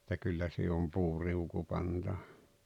että kyllä siihen on puuriuku pantava